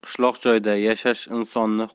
qishloq joyda yashash insonni